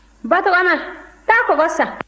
batɔgɔma taa kɔgɔ san